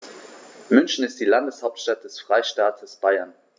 München ist die Landeshauptstadt des Freistaates Bayern.